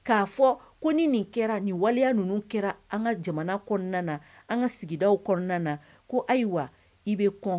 K'a fɔ ko ni nin kɛra nin waliya ninnu kɛra an ka jamana kɔnɔna na an ka sigida kɔnɔna na ko ayiwa i bɛ kɔn